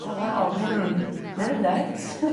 O waw ma' hyn yn ma' hyn yn nyts!